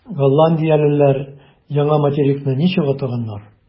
Голландиялеләр яңа материкны ничек атаганнар?